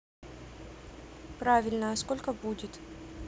правильно а сколько будет